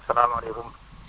salaamaaleykum